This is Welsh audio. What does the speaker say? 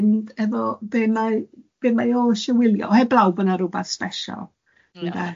So dwi'n tueddu i fynd efo be' mae be' mae o isho wylio heblaw bo 'na rwbath sbesial ynde.